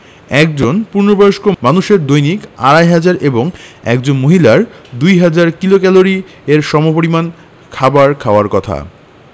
একজন পূর্ণবয়স্ক মানুষের দৈনিক ২৫০০ এবং একজন মহিলার ২০০০ কিলোক্যালরি এর সমপরিমান খাবার খাওয়ার কথা